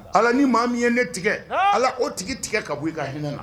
Ala ni maa min ye ne tigɛ ala o tigi tigɛ ka bɔ i ka hinɛ na